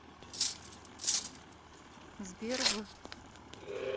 сбер в